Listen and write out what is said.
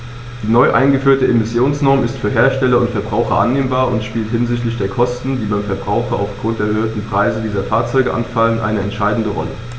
Die neu eingeführte Emissionsnorm ist für Hersteller und Verbraucher annehmbar und spielt hinsichtlich der Kosten, die beim Verbraucher aufgrund der erhöhten Preise für diese Fahrzeuge anfallen, eine entscheidende Rolle.